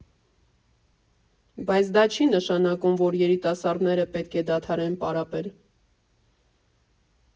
Բայց դա չի նշանակում, որ երիտասարդները պետք է դադարեն պարապել։